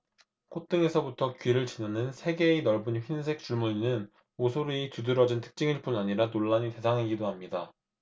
콧등에서부터 귀를 지나는 세 개의 넓은 흰색 줄무늬는 오소리의 두드러진 특징일 뿐 아니라 논란의 대상이기도 합니다